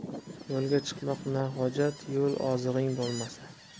yo'lga chiqmoq na hojat yo'l ozig'ing bo'lmasa